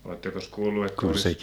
olettekos kuullut että olisi